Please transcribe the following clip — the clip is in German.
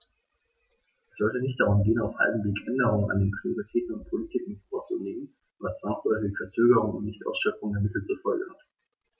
Es sollte nicht darum gehen, auf halbem Wege Änderungen an den Prioritäten und Politiken vorzunehmen, was zwangsläufig Verzögerungen und Nichtausschöpfung der Mittel zur Folge hat.